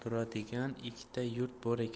turadigan ikkita yurt bor ekan